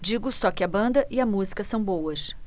digo só que a banda e a música são boas